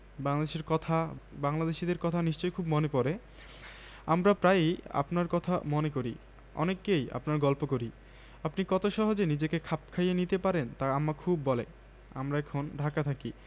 বাংলাদেশের কথা বাংলাদেশীদের কথা নিশ্চয় খুব মনে পরে আমরা প্রায়ই আপনারর কথা মনে করি অনেককেই আপনার গল্প করি আপনি কত সহজে নিজেকে খাপ খাইয়ে নিতে পারেন তা আম্মা খুব বলে আমি এখন ঢাকা থাকি